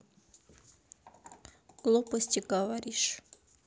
глупости говоришь